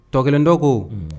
Tɔ kelentɔ ko